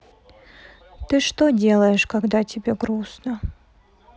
ты что делаешь когда тебе грустно